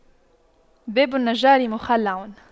باب النجار مخَلَّع